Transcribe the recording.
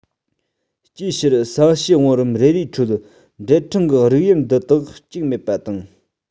ཅིའི ཕྱིར ས གཤིས བང རིམ རེ རེའི ཁྲོད འབྲེལ ཕྲེང གི རིགས དབྱིབས འདི དག བཅུག མེད པ དང